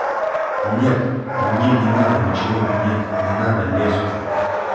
нет мне не надо ничего менять не надо леску